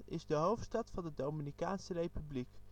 is de hoofdstad van de Dominicaanse Republiek